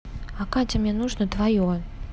а катя мне нужно твое